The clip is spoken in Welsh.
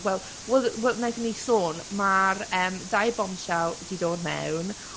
Wel wel wel wnaethon ni sôn, mae’r yym dau bombshell 'di dod mewn.